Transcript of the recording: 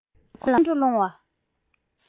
བདག ལ ཁོང ཁྲོ སློང བ